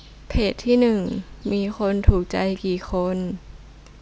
เพจที่หนึ่งมีคนถูกใจกี่คน